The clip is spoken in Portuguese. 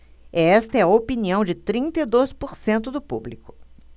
esta é a opinião de trinta e dois por cento do público